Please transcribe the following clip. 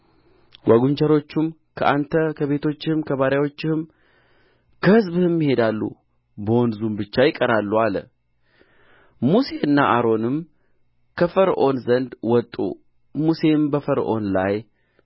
ጓጕንቸሮቹም ከአንተ ከቤቶችህም ከባርያዎችህም ከሕዝብህም ይሄዳሉ በወንዙም ብቻ ይቀራሉ አለ ሙሴና አሮንም ከፈርዖን ዘንድ ወጡ ሙሴም በፈርዖን ላይ